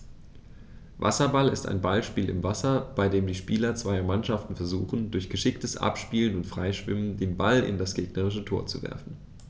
Wasserball ist ein Ballspiel im Wasser, bei dem die Spieler zweier Mannschaften versuchen, durch geschicktes Abspielen und Freischwimmen den Ball in das gegnerische Tor zu werfen.